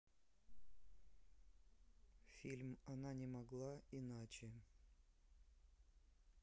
фильм она не могла иначе